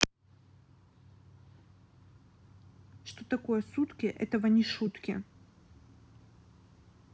что такое сутки этого не шутки